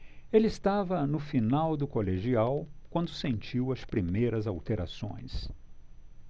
ele estava no final do colegial quando sentiu as primeiras alterações